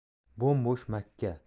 bo'm bo'sh makka